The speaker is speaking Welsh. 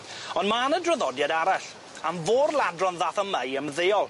Ond ma' 'ny draddodiad arall am fôr-ladron ddath yma i ymddeol.